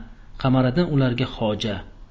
qamariddin ularga xoja